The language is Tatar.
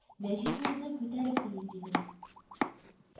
Мәҗитне үзем күтәреп меним,— дидем